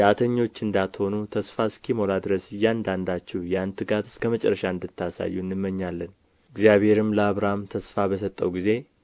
ዳተኞች እንዳትሆኑ ተስፋ እስኪሞላ ድረስ እያንዳንዳችሁ ያን ትጋት እስከ መጨረሻ እንድታሳዩ እንመኛለን እግዚአብሔርም ለአብርሃም ተስፋ በሰጠው ጊዜ